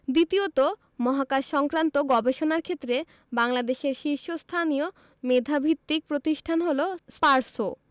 দ্বিতীয়ত মহাকাশসংক্রান্ত গবেষণার ক্ষেত্রে বাংলাদেশের শীর্ষস্থানীয় মেধাভিত্তিক প্রতিষ্ঠান হলো স্পারসো